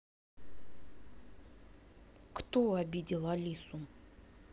кто обидел алису